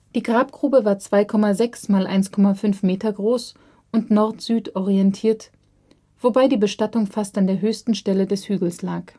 Die Grabgrube war 2,6 x 1,5 m groß und Nordsüd orientiert, wobei die Bestattung fast an der höchsten Stelle des Hügels lag